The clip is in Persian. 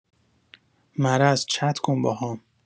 مرض چت کن باهام